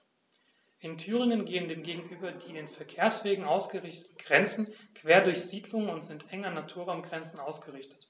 In Thüringen gehen dem gegenüber die an Verkehrswegen ausgerichteten Grenzen quer durch Siedlungen und sind eng an Naturraumgrenzen ausgerichtet.